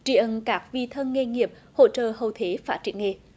tri ân các vị thần nghề nghiệp hỗ trợ hậu thế phát triển nghề